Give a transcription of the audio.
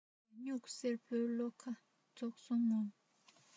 རྒྱ སྨྱུག སེར པོའི བློ ཁ རྫོགས སོང ངོ